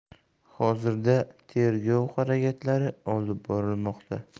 hozirda tergov harakatlari olib borilmoqda